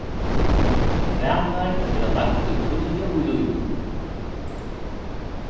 vanar verða lagdir tíðliga í lívinum